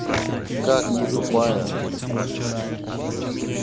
как ты тупая